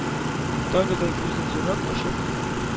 Тагы да күзен зуррак ачып,